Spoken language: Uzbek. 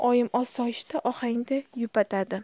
oyim osoyishta ohangda yupatadi